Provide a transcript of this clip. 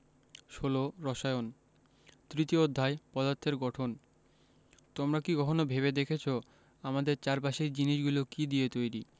১৬ রসায়ন তৃতীয় অধ্যায় পদার্থের গঠন তোমরা কি কখনো ভেবে দেখেছ আমাদের চারপাশের জিনিসগুলো কী দিয়ে তৈরি